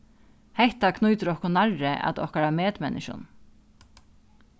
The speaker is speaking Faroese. hetta knýtir okkum nærri at okkara medmenniskjum